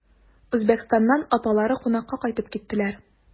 Үзбәкстаннан апалары кунакка кайтып киттеләр.